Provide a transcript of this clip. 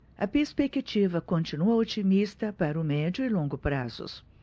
a perspectiva continua otimista para o médio e longo prazos